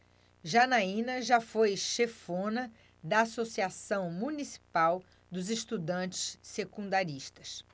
janaina foi chefona da ames associação municipal dos estudantes secundaristas